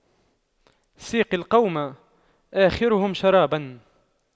ساقي القوم آخرهم شراباً